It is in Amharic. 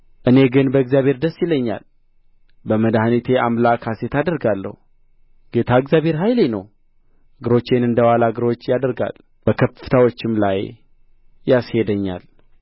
እኔ ግን በእግዚአብሔር ደስ ይለኛል በመድኃኒቴ አምላክ ሐሤት አደርጋለሁ ጌታ እግዚአብሔር ኃይሌ ነው እግሮቼን እንደ ዋላ እግሮች ያደርጋል በከፍታዎችም ላይ ያስሄደኛል